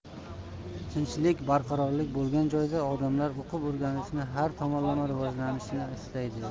tinchlik barqarorlik bo'lgan joydagina odamlar o'qib o'rganishni har tomonlama rivojlanishni istaydi